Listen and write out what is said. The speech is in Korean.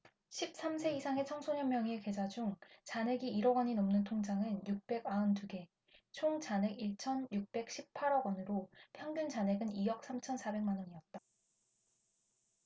십 삼 세 이상의 청소년 명의의 계좌 중 잔액이 일 억원이 넘는 통장은 육백 아흔 두 개 총 잔액 일 천 육백 십 팔 억원으로 평균 잔액은 이 억 삼 천 사백 만원이었다